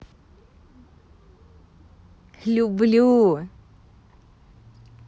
люблю